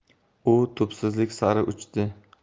u tubsizlik sari uchdi